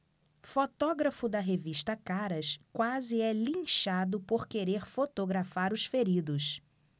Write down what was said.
fotógrafo da revista caras quase é linchado por querer fotografar os feridos